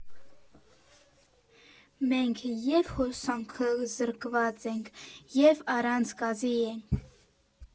Մենք և՛ հոսանքազրկված ենք, և՛ առանց գազի ենք։